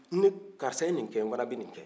karisa ye ni kɛ n fana bɛ ni kɛ